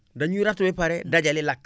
dañuy râteau ba pare dajale lakk